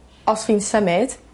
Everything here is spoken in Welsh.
os fi'n symud